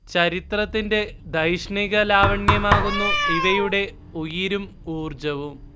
ചരിത്രത്തിന്റെ ധൈഷ്ണിക ലാവണ്യമാകുന്നു ഇവയുടെ ഉയിരും ഊർജ്ജവും